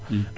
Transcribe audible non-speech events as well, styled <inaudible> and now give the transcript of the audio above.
<hesitation>